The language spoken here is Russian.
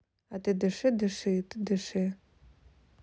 а ты дыши дыши ты дыши